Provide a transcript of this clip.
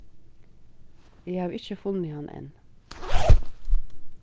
eg havi ikki funnið hann enn